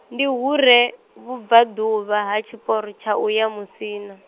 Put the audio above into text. ndi hu re, vhubvaḓuvha ha tshiporo tsha u ya Musina.